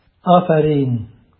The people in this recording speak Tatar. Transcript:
Афәрин!